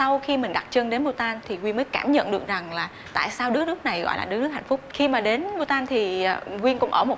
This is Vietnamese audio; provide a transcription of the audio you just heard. sau khi mình đặt chân đến bu tan thì quyên mới cảm nhận được rằng là tại sao đứa nước này gọi là đứa hạnh phúc khi mà đến bu tan thì quyên cũng ở một